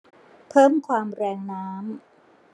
เพิ่มความแรงน้ำ